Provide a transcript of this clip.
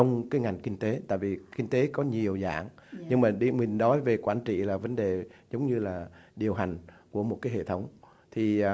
trong cái ngành kinh tế tại vì kinh tế có nhiều dạng như mình đi mình nói về quản trị là vấn đề giống như là điều hành của một hệ thống thì